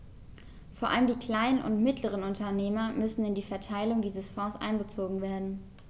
Vor allem die kleinen und mittleren Unternehmer müssen in die Verteilung dieser Fonds einbezogen werden.